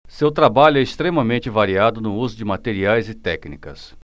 seu trabalho é extremamente variado no uso de materiais e técnicas